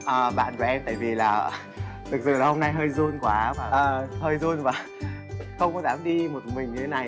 ờ bạn của em tại vì ờ là hôm nay hơi run quá và hơi run quá không có dám đi một mình thế này